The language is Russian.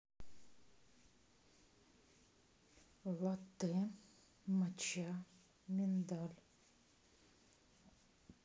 латте моча миндаль